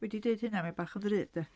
Wedi deud hynna mae bach yn ddrud de?